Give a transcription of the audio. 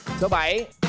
số bảy